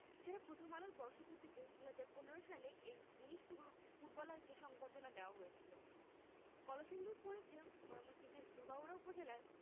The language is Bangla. এ ছাড়া প্রথম আলোর বর্ষপূর্তিতে ২০১৫ সালে এই ১৯ ফুট ফুটবলারকে সংবর্ধনা দেওয়া হয়েছিল কলসিন্দুর পড়েছে ময়মনসিংহের ধোবাউড়া উপজেলার